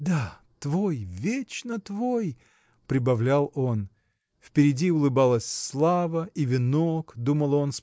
Да, твой, вечно твой, – прибавлял он. Впереди улыбалась слава и венок думал он